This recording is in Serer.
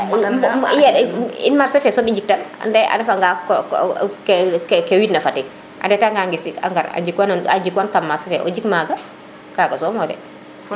ɓoɓ ne in marché fe soom i njiktan ande a refa nga koko ke ke widna Fatick a ndeta nga ngisik a njikwa nang a jirwan kam marché fe o jik maga kaga somo de